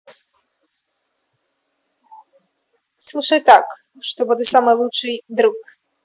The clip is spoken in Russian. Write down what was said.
слушай так чтобы ты самый лучший друг